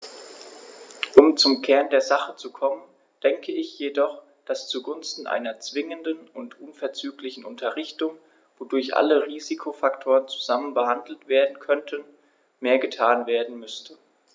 Um zum Kern der Sache zu kommen, denke ich jedoch, dass zugunsten einer zwingenden und unverzüglichen Unterrichtung, wodurch alle Risikofaktoren zusammen behandelt werden könnten, mehr getan werden müsste.